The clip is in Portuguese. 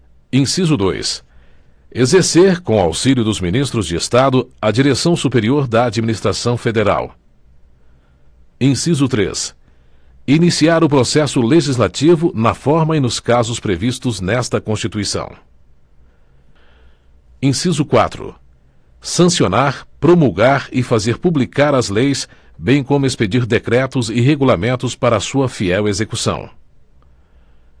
inciso dois exercer com o auxílio dos ministros de estado a direção superior da administração federal inciso três iniciar o processo legislativo na forma e nos casos previstos nesta constituição inciso quatro sancionar promulgar e fazer publicar as leis bem como expedir decretos e regulamentos para sua fiel execução